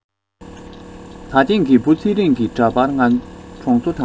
ད ཐེངས ཀྱི བུ ཚེ རིང གི འདྲ པར ང གྲོང ཚོ དང